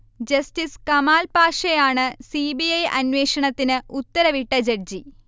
Justice Kamal പാഷയാണ് C. B. I അന്വേഷണത്തിന് ഉത്തരവിട്ട ജഡ്ജി